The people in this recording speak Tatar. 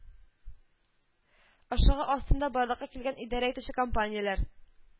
Ышыгы астында барлыкка килгән идарә итүче компанияләр